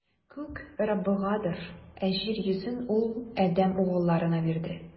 Күк - Раббыгадыр, ә җир йөзен Ул адәм угылларына бирде.